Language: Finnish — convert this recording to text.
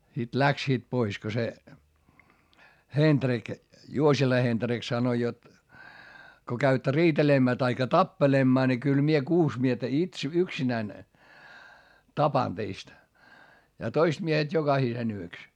sitten lähtivät pois kun se Hendrik Juosila Hendrik sanoi jotta kun käytte riitelemään tai tappelemaan niin kyllä minä kuusi miestä - yksinäni tapan teistä ja toiset miehet jokaisen yksi